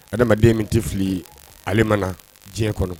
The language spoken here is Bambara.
Adamaden min tɛ fili, ale mana diɲɛ kɔnɔ